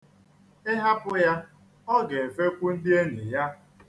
I hapụ ya, ọ ga-efekwu ndị enyi ya.